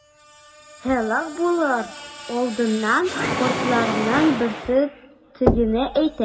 Һәлак булыр алдыннан картларның берсе тегеңә әйтә.